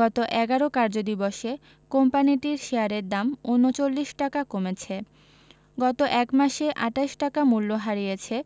গত ১১ কার্যদিবসে কোম্পানিটির শেয়ারের দাম ৩৯ টাকা কমেছে গত এক মাসে ২৮ টাকা মূল্য হারিয়েছে